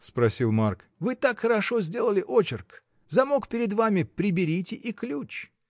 — спросил Марк, — вы так хорошо сделали очерк: замок перед вами, приберите и ключ.